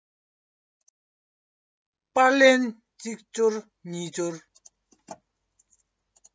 པར ལན གཅིག འབྱོར གཉིས འབྱོར